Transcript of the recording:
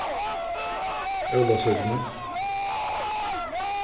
ólavsøkuni